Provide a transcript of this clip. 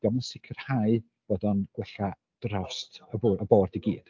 'Di o'm yn sicrhau bod o'n gwella drost y bwrdd y board i gyd.